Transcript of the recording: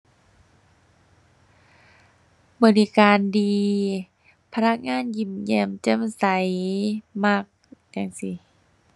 บริการดี พนักงานยิ้มแย้มแจ่มใส มัก จั่งซี้